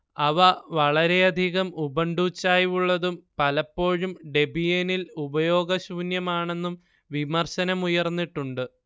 അവ വളരെയധികം ഉബുണ്ടു ചായ്വുള്ളതും പലപ്പോഴും ഡെബിയനിൽ ഉപയോഗശൂന്യമാണെന്നും വിമർശനമുയർന്നിട്ടുണ്ട്